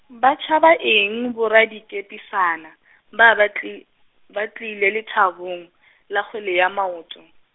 ba tšhaba eng boradikepisana, ba ba tli-, ba tlile lethabong, la kgwele ya maoto.